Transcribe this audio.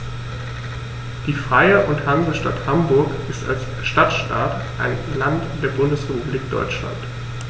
Die Freie und Hansestadt Hamburg ist als Stadtstaat ein Land der Bundesrepublik Deutschland.